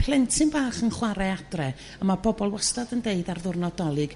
plentyn bach yn chwar'e adre a ma' pobol wastad yn d'eud ar ddiwrnod Dolig